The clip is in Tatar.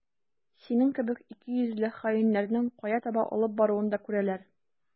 Синең кебек икейөзле хаиннәрнең кая таба алып баруын да күрәләр.